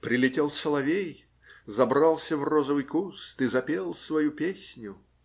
Прилетел соловей, забрался в розовый куст и запел свою песню.